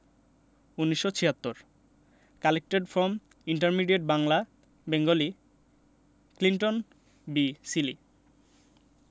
১৯৭৬ collected from intermediate Bangla Bengali Clinton B Seely